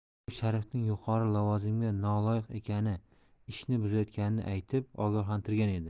u sharifning yuqori lavozimga noloyiq ekani ishni buzayotganini aytib ogohlantirgan edi